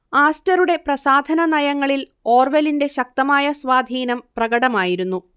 ആസ്റ്ററുടെ പ്രസാധനനയങ്ങളിൽ ഓർവെലിന്റെ ശക്തമായ സ്വാധീനം പ്രകടമായിരുന്നു